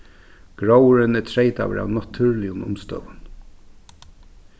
gróðurin er treytaður av natúrligum umstøðum